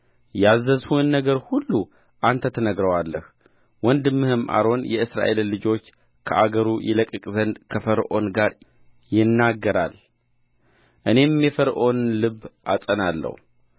ያዘዝሁህን ነገር ሁሉ አንተ ትነግረዋለህ ወንድምህም አሮን የእስራኤልን ልጆች ከአገሩ ይለቅቅ ዘንድ ከፈርዖን ጋር ይናገራል እኔም የፈርዖንን ልብ አጸናለሁ